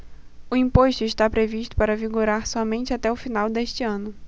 o imposto está previsto para vigorar somente até o final deste ano